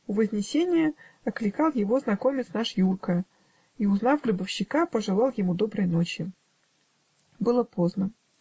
У Вознесения окликал его знакомец наш Юрко и, узнав гробовщика, пожелал ему доброй ночи. Было поздно.